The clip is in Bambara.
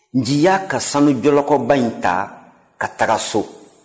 nci y'a ka sanujɔlɔkɔba in ta ka taga so